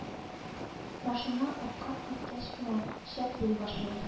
Машина обкатка үткәч кенә шәп йөри башлый